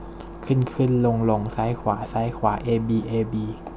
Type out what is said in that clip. ขึ้นขึ้นลงลงซ้ายขวาซ้ายขวาเอบีเอบี